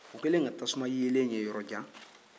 u kɛlen ka tasuma yelen ye yɔrɔjan